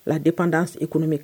La dep dan i kɔnɔmi